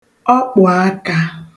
ọkpụ̀akā